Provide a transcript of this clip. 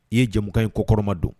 I ye jamu in ko kɔrɔma don